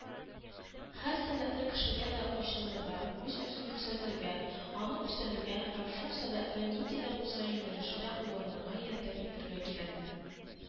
“һәр сәләтле кешегә дә ачылырга, үз-үзен күрсәтергә, аны үстерергә һәм шул сәләтне нинди дә булса юнәлештә кулланырга ярдәм итәргә кирәк